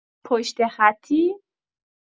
پشت خطی؟